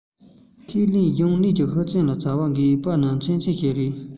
ཁས ལེན གཞུང ལས པའི ཧུར བརྩོན གྱིས བྱ བ འགན བཞེས པའི མཚོན ཚུལ ཞིག རེད